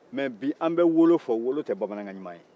nka bi an bɛ wolo fɔ wolo tɛ bamanankan ɲuman